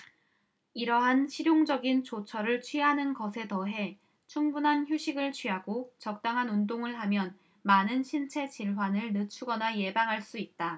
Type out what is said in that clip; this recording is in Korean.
이러한 실용적인 조처를 취하는 것에 더해 충분한 휴식을 취하고 적당한 운동을 하면 많은 신체 질환을 늦추거나 예방할 수 있다